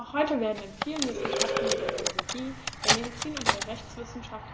Noch heute werden in vielen Wissenschaften wie der Biologie, der Medizin und der Rechtswissenschaft